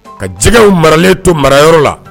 Ka jɛgɛw maralen to marayɔrɔ la